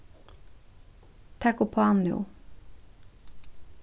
tak uppá nú